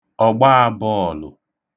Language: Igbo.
ọ̀gbaābọ̄ọ̀lụ̀